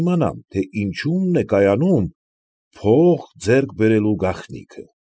Իմանամ, թե ինչումն է կայանում փող ձեռք բերելու գաղտնիքը։